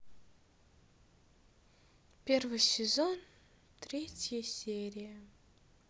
первый сезон третья серия